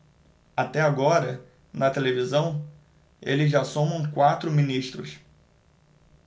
até agora na televisão eles já somam quatro ministros